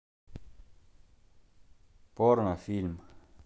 порно фильм